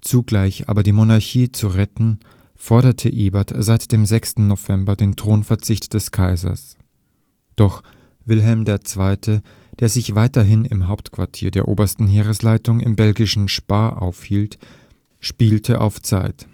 zugleich aber die Monarchie zu retten, forderte Ebert seit dem 6. November den Thronverzicht des Kaisers. Doch Wilhelm II., der sich weiterhin im Hauptquartier der Obersten Heeresleitung im belgischen Spa aufhielt, spielte auf Zeit